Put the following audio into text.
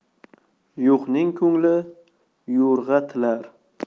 yo'qning ko'ngli yo'rg'a tilar